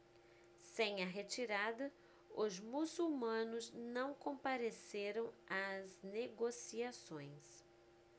sem a retirada os muçulmanos não compareceram às negociações